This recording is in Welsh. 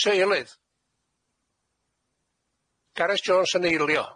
Sa eilydd, Gareth Jones yn eilio.